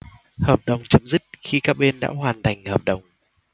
hợp đồng chấm dứt khi các bên đã hoàn thành hợp đồng